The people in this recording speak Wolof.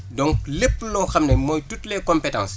donc lépp loo xam ne mooy toutes les compétences